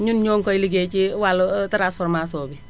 ñun ñoo ngi koy ligéey ci wàllu transformation bi